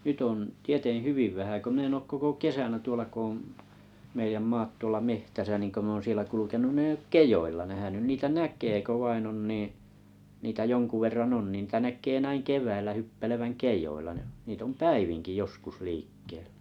nyt on tieten hyvin vähän kun minä en koko kesänä tuolla kun on meidän maat tuolla metsässä niin kun minä olen siellä kulkenut niin ei ole kedoilla nähnyt niitä näkee kun vain on niin niitä jonkun verran on niin niitä näkee näin keväällä hyppelevän kedoilla ja niitä on päivinkin joskus liikkeellä